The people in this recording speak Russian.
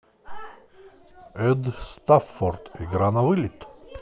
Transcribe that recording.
эд стаффорд игра на вылет